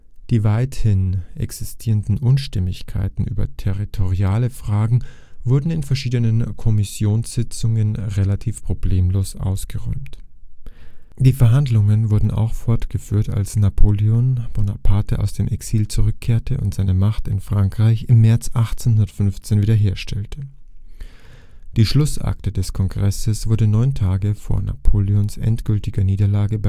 Die weiterhin existierenden Unstimmigkeiten über territoriale Fragen wurden in verschiedenen Kommissionssitzungen relativ problemlos ausgeräumt. Die Verhandlungen wurden auch fortgeführt, als Napoleon Bonaparte aus dem Exil zurückkehrte und seine Macht in Frankreich im März 1815 wiederherstellte. Die Schlussakte des Kongresses wurde neun Tage vor Napoleons endgültiger Niederlage